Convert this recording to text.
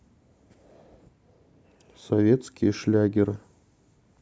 советские шлягеры